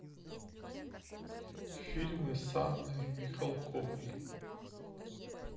фильмы с анной михалковой